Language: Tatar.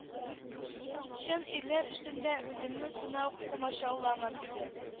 Чын ирләр эшендә үзеңне сынау комачауламас иде